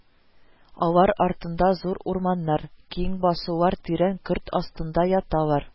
Алар артында зур урманнар, киң басулар тирән көрт астында яталар